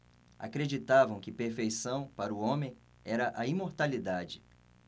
acreditavam que perfeição para o homem era a imortalidade